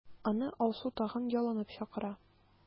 Аны Алсу тагын ялынып чакыра.